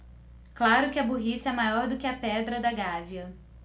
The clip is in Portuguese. claro que a burrice é maior do que a pedra da gávea